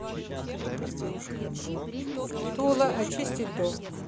тула очистить дом